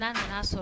Kana a sɔrɔ